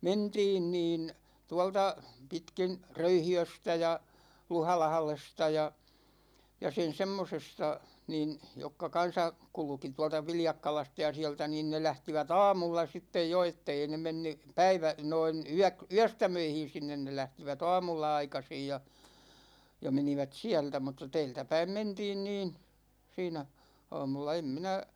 mentiin niin tuolta pitkin Röyhiöstä ja Luhalahdesta ja ja sen semmoisesta niin jotka kanssa kulki tuolta Viljakkalasta ja sieltä niin ne lähtivät aamulla sitten jo että ei ne mennyt - noin - yöstämöihin sinne ne lähtivät aamulla aikaisin ja ja menivät sieltä mutta täältäpäin mentiin niin siinä aamulla en minä